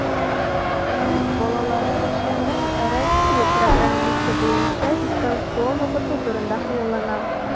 Үз балаларым өчен мин Россия программасы буенча дистанцион укыту турында хыялланам.